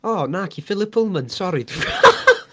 O, naci Philip Pullman sori!